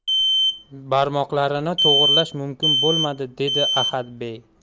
barmoqlarini to'g'rilash mumkin bo'lmadi dedi ahadbey